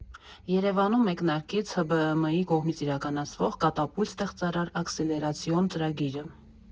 Երևանում մեկնարկեց ՀԲԸՄ֊ի կողմից իրականացվող «Կատապուլտ» ստեղծարար աքսելերացիոն ծրագիրը։